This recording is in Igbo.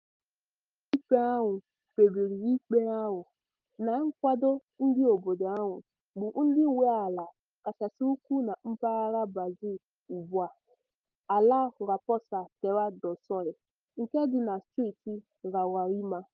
Ụlọikpe ahụ kpebiri ikpe ahụ na nkwado ndị obodo ahụ bụ ndị nwe ala kachasị ukwuu na mpaghara Brazil ugbua - ala Raposa Terra do Sol, nke dị na steeti Roraima.